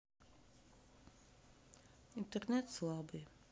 интернет слабый